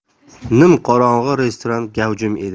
nimqorong'i restoran gavjum edi